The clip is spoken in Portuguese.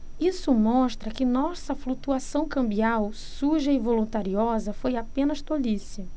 isso mostra que nossa flutuação cambial suja e voluntariosa foi apenas tolice